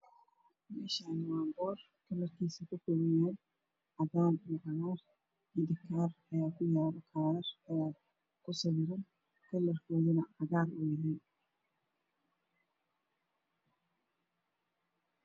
Meeshaan waa boor kalarkiisu ka kooban yahay cadaan iyo cagaar. Kaarar ayaa kusawiran oo cadaan ah.